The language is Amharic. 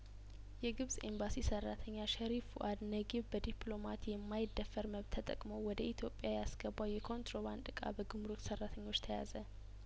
የግብጽ ኢምባሲ ሰራተኛ ሽሪፍ ፋአድ ነጊብ በዲፕሎማት የማይደፈር መብት ተጠቅሞ ወደ ኢትዮጵያ ያስገባው የኮንትሮባንድ እቃ በጉምሩክ ሰራተኞች ተያዘ